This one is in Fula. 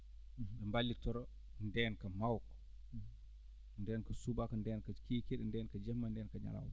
mballitoroo ndeenka mawka ndeenka subaka ndeenka kiikiiɗe ndeenka jamma ndeenka ñalawma